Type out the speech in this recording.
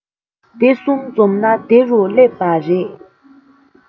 དེ གསུམ འཛོམས ན དེ རུ སླེབས པ རེད